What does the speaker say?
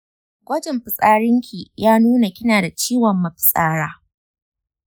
gwajin fitsarinki ya nuna kina da ciwon mafitsara.